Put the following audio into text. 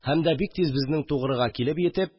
Һәм дә бик тиз безнең тугрыга килеп җитеп